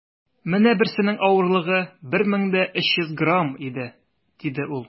- менә берсенең авырлыгы 1340 грамм, - диде ул.